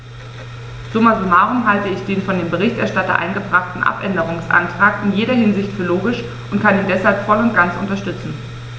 Summa summarum halte ich den von dem Berichterstatter eingebrachten Abänderungsantrag in jeder Hinsicht für logisch und kann ihn deshalb voll und ganz unterstützen.